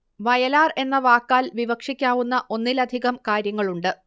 വയലാർ എന്ന വാക്കാൽ വിവക്ഷിക്കാവുന്ന ഒന്നിലധികം കാര്യങ്ങളുണ്ട്